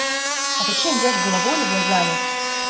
а ты чем ешь головой или глазами